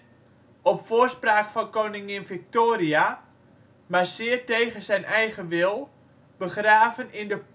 voorspraak van koningin Victoria, maar zeer tegen zijn eigen wil - begraven in de